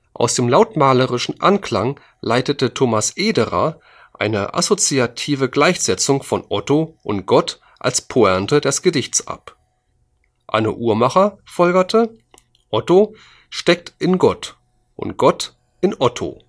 Aus dem lautmalerischen Anklang leitete Thomas Eder eine assoziative Gleichsetzung von „ otto “und „ gott “als Pointe des Gedichts ab. Anne Uhrmacher folgerte: „ otto steckt in gott und gott in otto